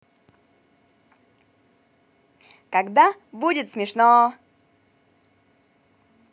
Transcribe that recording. когда будет смешно